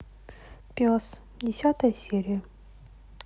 пес десятая серия